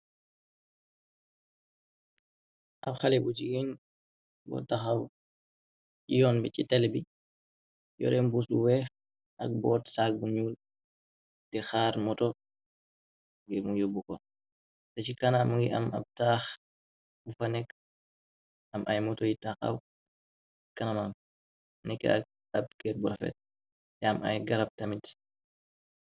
Ab xale bu jigeen, bo taxaw yi yoon bi, ci tel bi yoreen buus lu ak boot saggbu nu, te xaar moto ngirmu yóbbu ko, te ci kanaam ngi am ab taax bu fa nekk, am ay moto yi taaxaw kanamam, nekk ak ab geer bu rafet te am ay garab tamit.